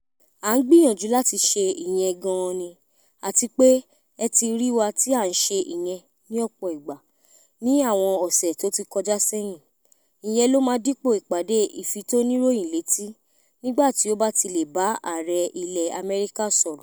À ń gbìyànjú láti ṣe ìyẹn gan ni àtipé ẹ ti rí wá tí a ń ṣe ìyẹn ní ọ̀pọ̀ ìgbà ní àwọn ọ̀ṣẹ́ tó ti kọjá ṣẹ́hìn. Ìyẹn ló máa dípò ìpàdé ìfitóníròyìnlétí nígbàtí o bá ti le bá ààrẹ ilẹ̀ Amẹ́ríkà sọ̀rọ̀.”